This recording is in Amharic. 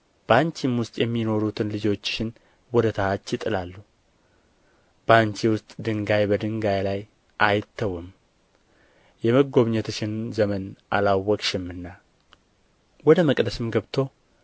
በአንቺም ውስጥ የሚኖሩትን ልጆችሽን ወደ ታች ይጥላሉ በአንቺ ውስጥም ድንጋይ በድንጋይ ላይ አይተዉም የመጐብኘትሽን ዘመን አላወቅሽምና ወደ መቅደስም ገብቶ